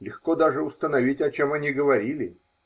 Легко даже установить, о чем они говорили.